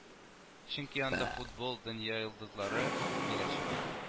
Чөнки анда футбол дөнья йолдызлары киләчәк